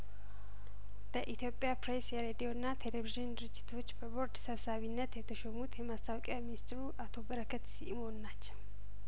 በኢትዮጵያ ፕሬስ የሬዲዮና ቴሌቪዥን ድርጅቶች በቦርድ ሰብሳቢነት የተሾሙት የማስታውቂያ ማኒስትሩ አቶ በረከት ሲእሞን ናቸው